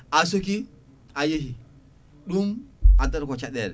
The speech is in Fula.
a sooki a yeehi ɗum addata ko caɗele